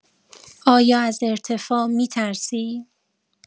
آیا از ارتفاع می‌ترسی؟